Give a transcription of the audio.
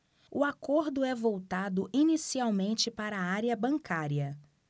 o acordo é voltado inicialmente para a área bancária